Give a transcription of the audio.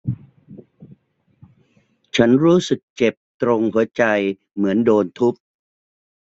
ฉันรู้สึกเจ็บตรงหัวใจเหมือนโดนทุบ